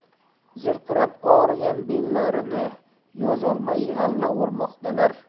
zirqirab og'rigan bellarini yozolmay g'alla o'rmoqdalar